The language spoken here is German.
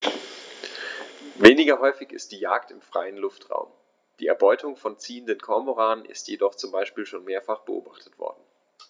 Weniger häufig ist die Jagd im freien Luftraum; die Erbeutung von ziehenden Kormoranen ist jedoch zum Beispiel schon mehrfach beobachtet worden.